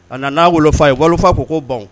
A nana n'a wolo' ye wali' ko ban